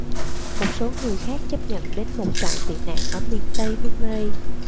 một số người khác chấp nhận đến một trại tị nạn ở miền tây hungary